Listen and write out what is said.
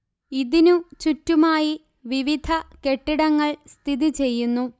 ഇതിനു ചുറ്റുമായി വിവിധ കെട്ടിടങ്ങൾ സ്ഥിതിചെയ്യുന്നു